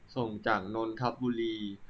ส่งจากนนทบุรี